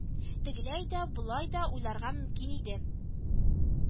Тегеләй дә, болай да уйларга мөмкин иде